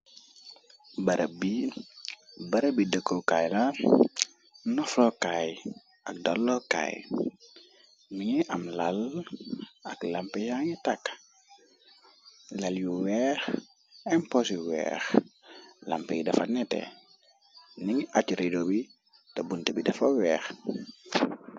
barab bi dëkkookaay la noflo kaay ak dallookaay mi ngay am lal ak lamp yaa ngi tàkk lal yu weex imposyu weex lamp y dafa nete ningi ac radeo bi te bunte bi dafa weex